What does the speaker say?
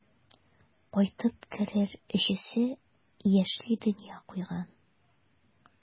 Кайтып керер өчесе яшьли дөнья куйган.